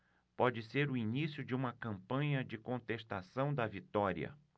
pode ser o início de uma campanha de contestação da vitória